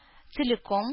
Целиком